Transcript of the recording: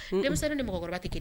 Denmisɛnw bɛ nin mɔgɔkɔrɔba tɛ kelen